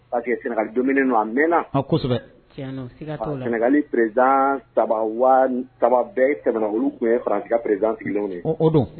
Pa que sɛnɛkali don don a mɛnlirezd bɛɛ tɛmɛkulu tunran prezanfilen ye don